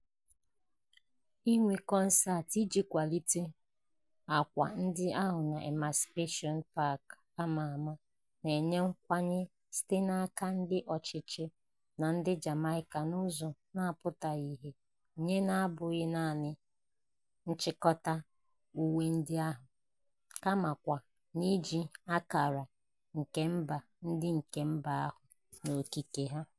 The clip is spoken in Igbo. Inwe kọnseetị iji kwalite akwa ndị ahụ n'Emancipation Park a ma ama na-enye nkwenye site n'aka ndị ọchịchị na ndị Jamaica n'ụzọ na-apụtaghị ihe nye na-abụghị naanị nchịkọta uwe ndị ahụ, kamakwa n'iji ákàrà kemba ndị nke mba ahụ n'okike ha.